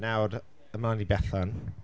Nawr, ymlaen i Bethan.